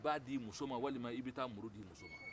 i b'a d'i muso ma walima i bɛ taa muru d'i muso ma